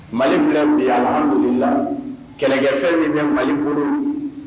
Mali filɛ bi alihamidulila kɛlɛkɛfɛn min bɛ Mali bolo